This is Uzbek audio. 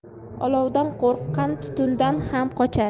olovdan qo'rqqan tutundan ham qochar